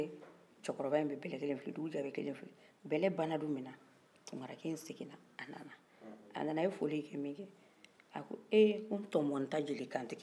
bɛlɛ bana don min na tunkara kɛ in seginra ka na a nana a ye foli kɛ a ko eh n tɔmɔ n ta jeli kantigi